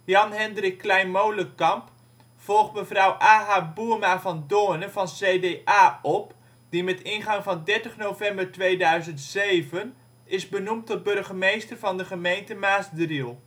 Jan Hendrik Klein Molekamp volgt mevrouw A.H. Boerma-van Doorne (CDA) op, die met ingang van 30 november 2007 is benoemd tot burgemeester van de gemeente Maasdriel